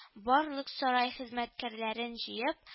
Барлык сарай хезмәткәрләрен җыеп